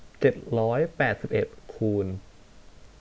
เจ็ดร้อยแปดสิบเอ็ดคูณ